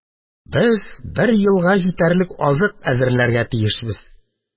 Без бер елга җитәрлек азык әзерләргә тиешбез.